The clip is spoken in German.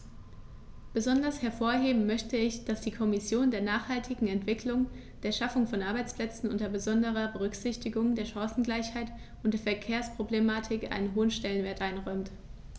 Besonders hervorheben möchte ich, dass die Kommission der nachhaltigen Entwicklung, der Schaffung von Arbeitsplätzen unter besonderer Berücksichtigung der Chancengleichheit und der Verkehrsproblematik einen hohen Stellenwert einräumt.